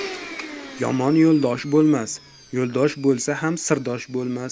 yomon yo'ldosh bo'lmas yo'ldosh boisa ham sirdosh bo'lmas